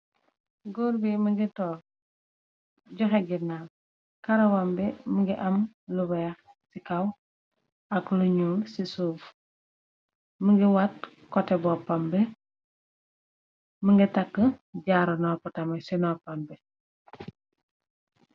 Gor bi mingito joxe girnaal karawambe më ngi am lu weex ci kaw ak lu ñuul ci suuf më ngi watt kote boppam be më ngi takk jaaro no potami ci noppam bi.